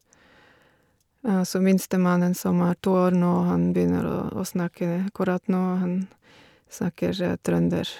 Så minstemannen, som er to år nå, han begynner å å snakke akkurat nå, han snakker trønder.